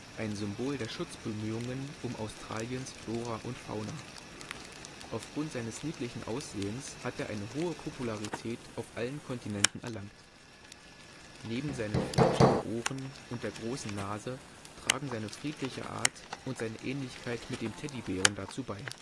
ein Symbol der Schutzbemühungen um Australiens Flora und Fauna. Aufgrund seines niedlichen Aussehens hat er eine hohe Popularität auf allen Kontinenten erlangt. Neben seinen flauschigen Ohren und der großen Nase tragen seine friedliche Art und seine Ähnlichkeit mit dem Teddybären dazu bei